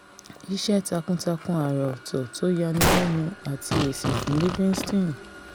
Iṣẹ́ takun-takun àra-ọ̀tọ̀ tó yanilẹ́nu àti èsì fún Livingston.